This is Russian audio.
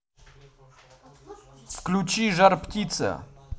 включи жар птица